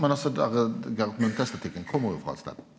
men altså der Gerhard Munte-estetikken kjem jo frå eit stad.